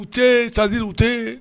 U tɛ sabiri u tɛ